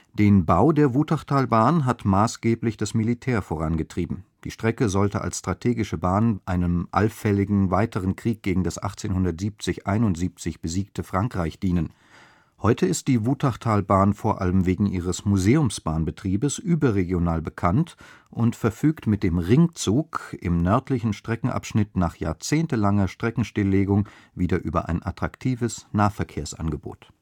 Den Bau der Wutachtalbahn hat maßgeblich das Militär vorangetrieben. Die Strecke sollte als strategische Bahn einem allfälligen weiteren Krieg gegen das 1870 / 1871 besiegte Frankreich dienen. Heute ist die Wutachtalbahn vor allem wegen ihres Museumsbahn-Betriebs überregional bekannt und verfügt mit dem Ringzug im nördlichen Streckenabschnitt nach jahrzehntelanger Streckenstilllegung wieder über ein attraktives Nahverkehrsangebot